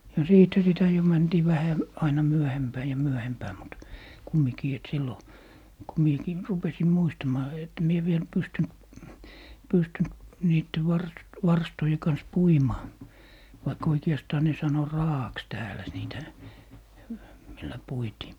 ja siitähän sitä jo mentiin vähän aina myöhempään ja myöhempään mutta kumminkin että silloin kun minäkin rupesin muistamaan että minä vielä pystynyt pystynyt niiden - varstojen kanssa puimaan vaikka oikeastaan ne sanoi raa'aksi täällä niitä millä puitiin